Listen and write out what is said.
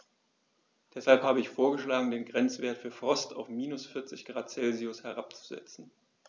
Deshalb habe ich vorgeschlagen, den Grenzwert für Frost auf -40 ºC herabzusetzen.